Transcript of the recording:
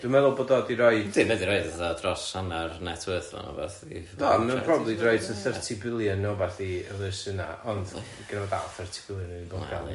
Dwi'n meddwl bod o 'di roi... Yndi mae o 'di rhoi fatha dros hanner net worth fo neu 'wbath i.. Do mae o probably 'di rhoi thirty billion neu 'wbath i elusenau ond gynna fo dal thirty billion yn 'i bocad... Wel ia.